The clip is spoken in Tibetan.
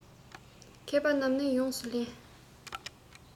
མཁས པ རྣམས ནི ཡོངས སུ ལེན